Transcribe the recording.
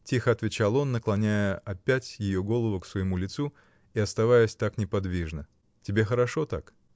— тихо отвечал он, наклоняя опять ее голову к своему лицу и оставаясь так неподвижно. — Тебе хорошо так?